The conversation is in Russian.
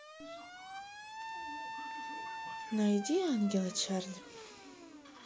найди ангелы чарли